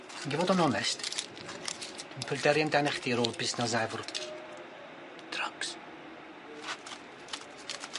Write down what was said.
Fynd i fod yn onest dwi'n pryderu amdanach chdi ar ôl busnas efo'r drygs.